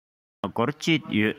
ང ལ སྒོར བཅུ ཡོད